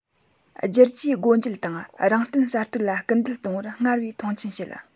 བསྒྱུར བཅོས སྒོ འབྱེད དང རང བརྟེན གསར གཏོད ལ སྐུལ འདེད གཏོང བར སྔར བས མཐོང ཆེན བྱེད